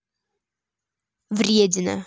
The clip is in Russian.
вредена